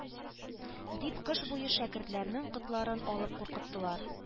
Дип кыш буе шәкертләрнең котларын алып куркыттылар.